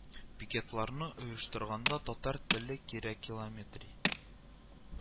Пикетларны оештырганда Татар теле кирәкилометри